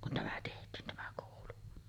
kun tämä tehtiin tämä koulu